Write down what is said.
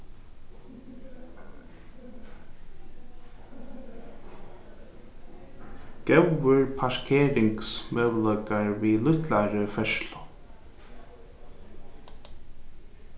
góðir parkeringsmøguleikar við lítlari ferðslu